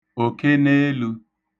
òkeneelū